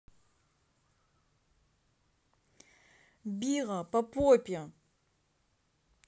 била по попе